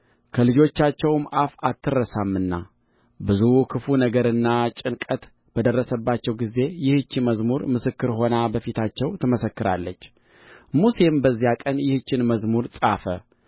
ከልጆቻቸውም አፍ አትረሳምና ብዙ ክፉ ነገርና ጭንቀት በደረሰባቸው ጊዜ ይህች መዝሙር ምስክር ሆና በፊታቸው ትመሰክራለች ሙሴም በዚያ ቀን ይህችን መዝሙር ጻፈ